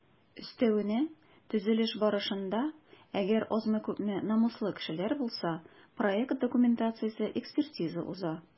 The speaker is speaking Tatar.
Өстәвенә, төзелеш барышында - әгәр азмы-күпме намуслы кешеләр булса - проект документациясе экспертиза уза.